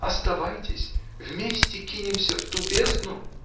оставайтесь, вместе кинемся в ту бездну!